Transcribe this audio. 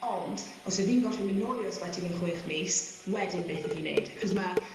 ond os 'yf fi'n gorffo myn' nôl i'r ysbyty mewn chwech mis wedyn beth 'yf fi neud 'c'os ma'